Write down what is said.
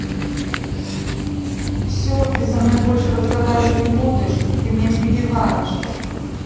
все ты со мной больше разговаривать не будешь ты меня перебиваешь